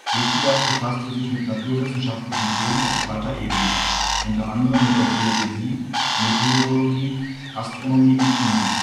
Lichtenberg befasste sich mit naturwissenschaftlichen Themen auf breiter Ebene, u.a. mit der Geodäsie, Meteorologie, Astronomie und Chemie